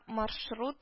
Маршрут